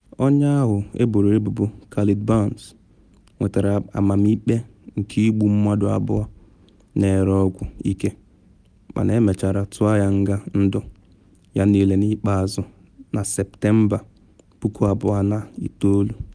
Onye ahụ eboro ebubo, Khalid Barnes, nwetara amamikpe nke igbu mmadu abụọ na ere ọgwụ ike mana emechara tụọ ya nga ndụ ya niile n’ikpeazụ na Septamba 2009.